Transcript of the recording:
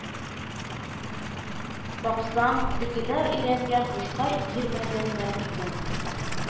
Баксаң, тегеләр өйрәнгән, бушка йөрмәгәннәр икән